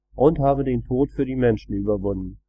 und habe den Tod für die Menschen überwunden